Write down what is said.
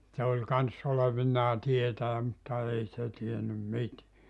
se oli kanssa olevinaan tietäjä mutta ei se tiennyt mitään